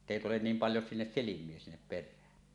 että ei tule niin paljon sinne silmiä sinne perään